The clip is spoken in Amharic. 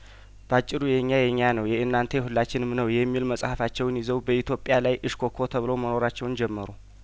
ባጭሩ የኛ የኛ ነው የእናንተ የሁለታችንም ነው የሚል መጽሀፋቸውን ይዘው በኢትዮጵያ ላይ እሽኮኮ ተብለው መኖራቸውን ጀመሩ